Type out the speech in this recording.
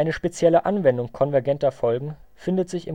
spezielle Anwendung konvergenter Folgen findet sich